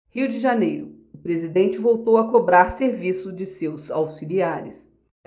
rio de janeiro o presidente voltou a cobrar serviço de seus auxiliares